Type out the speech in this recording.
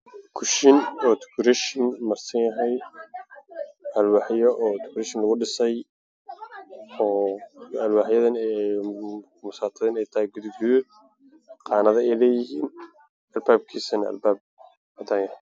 Waajiko waa qaxow iyo caddaan isku jiro waxa ay leedahay meesha wax lagu qarsado qaanado